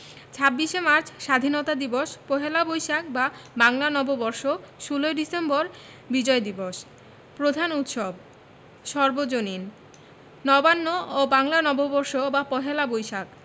২৬শে মার্চ স্বাধীনতা দিবস পহেলা বৈশাখ বা বাংলা নববর্ষ ১৬ই ডিসেম্বর বিজয় দিবস প্রধান উৎসবঃ সর্বজনীন নবান্ন ও বাংলা নববর্ষ বা পহেলা বৈশাখ